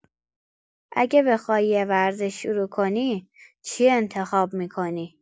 اگه بخوای یه ورزش شروع کنی، چی انتخاب می‌کنی؟